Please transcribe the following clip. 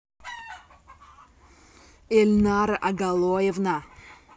эльнара агалоевна